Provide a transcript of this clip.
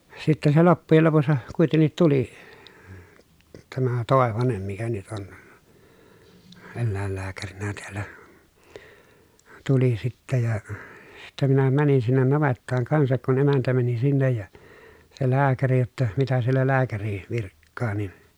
sitten se loppujen lopussa kuitenkin tuli tämä Toivanen mikä nyt on eläinlääkärinä täällä tuli sitten ja sitten minä menin sinne navettaan kanssa kun emäntä meni sinne ja se lääkäri jotta mitä siellä lääkäri virkkaa niin